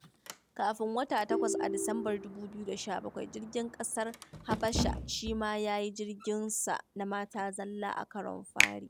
Kafin wata takwas a Disamba 2017, jirgin ƙasar Habasha shi ma ya yi jirginsa na mata zalla a karon fari.